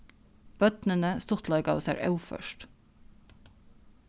børnini stuttleikaðu sær óført